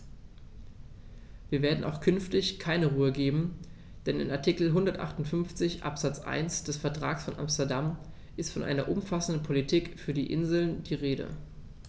Wir werden auch künftig keine Ruhe geben, denn in Artikel 158 Absatz 1 des Vertrages von Amsterdam ist von einer umfassenden Politik für die Inseln die Rede.